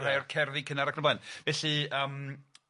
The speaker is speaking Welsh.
rhai o'r cerddi cynnar ac yn y blaen. Felly yym